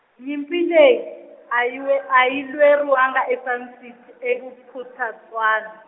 nyimpi leyi, a yi we, a yi lwe ri wanga e- Sun City, e- Bophuthatswana.